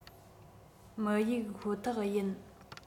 མི གཡུགས ཁོ ཐག ཡིན